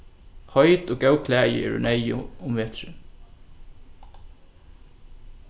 heit og góð klæði eru neyðug um veturin